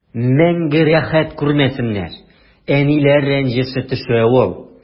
Мәңге рәхәт күрмәсеннәр, әниләр рәнҗеше төшә ул.